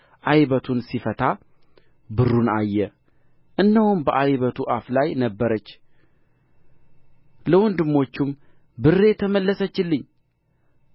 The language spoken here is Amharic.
ዓይበቱን ሲፈታ ብሩን አየ እነሆም በዓይበቱ አፍ ላይ ነበረች ለወንድሞቹም ብሬ ተመለሰችልኝ